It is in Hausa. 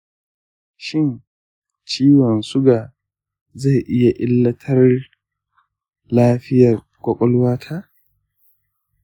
shin ciwon siga zai iya illatar lafiyar ƙwaƙwalwata?